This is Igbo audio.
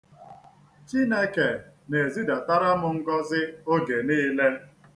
Chineke na-ezidatara m ngozi oge niile.